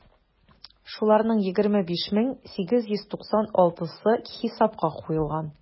Шуларның 25 мең 896-сы хисапка куелган.